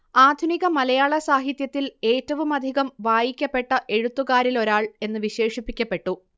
ആധുനിക മലയാള സാഹിത്യത്തിൽ ഏറ്റവുമധികം വായിക്കപ്പെട്ട എഴുത്തുകാരിലൊരാൾ എന്ന് വിശേഷിപ്പിക്കപ്പെട്ടു